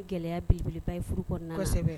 Gɛlɛya belebele ba ye furu kɔnɔna na. Kɔsɛbɛ